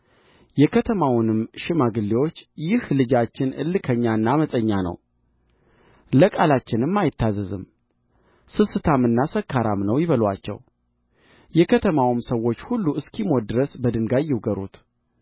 የከተማውንም ሽማግሌዎች ይህ ልጃችን እልከኛና ዓመፀኛ ነው ለቃላችንም አይታዘዝም ስስታምና ሰካራም ነው ይበሉአቸው የከተማውም ሰዎች ሁሉ እስኪሞት ድረስ በድንጋይ ይውገሩት